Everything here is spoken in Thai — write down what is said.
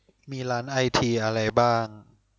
มีร้านไอทีอะไรบ้าง